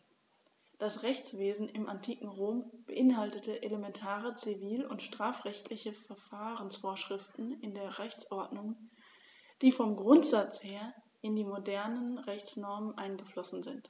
Das Rechtswesen im antiken Rom beinhaltete elementare zivil- und strafrechtliche Verfahrensvorschriften in der Rechtsordnung, die vom Grundsatz her in die modernen Rechtsnormen eingeflossen sind.